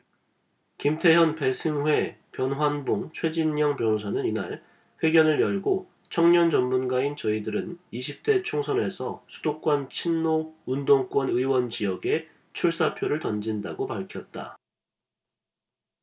김태현 배승희 변환봉 최진녕 변호사는 이날 회견을 열고 청년 전문가인 저희들은 이십 대 총선에서 수도권 친노 운동권 의원 지역에 출사표를 던진다고 밝혔다